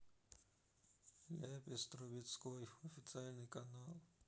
ляпис трубецкой официальный канал